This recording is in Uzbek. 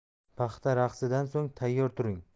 paxta raqsi dan so'ng tayyor turing